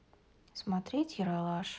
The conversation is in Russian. смотреть ералаш